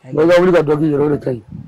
dɔ ka wuli ka dɔ k'i yɛrɛ ye o de ka ɲi